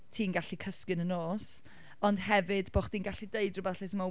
ti’n gallu cysgu yn y nos, ond hefyd bod chdi'n gallu deud rhywbeth lle ti’n meddwl...